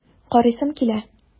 Карыйсым килә!